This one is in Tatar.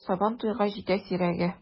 Сабан туйга җитә сирәге!